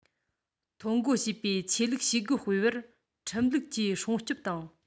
ཐོ འགོད བྱས པའི ཆོས ལུགས བྱེད སྒོ སྤེལ སར ཁྲིམས ལུགས ཀྱིས སྲུང སྐྱོབ དང